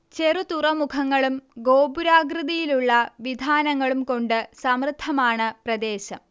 ചെറുതുറമുഖങ്ങളും ഗോപുരാകൃതിയിലുള്ള വിധാനങ്ങളും കൊണ്ട് സമൃദ്ധമാണ് പ്രദേശം